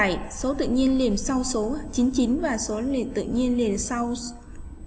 số tự nhiên liên sau số và số liệu tự nhiên liền sau